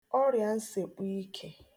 ọrị̀ansèkpọikè